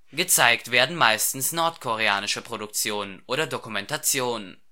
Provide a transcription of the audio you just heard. gezeigt werden meistens nordkoreanische Produktionen) oder Dokumentationen